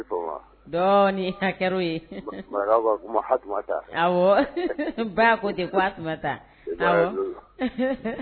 Ni marakaw b'a fɔ Hatumata, Ba ko ten ko Hatumata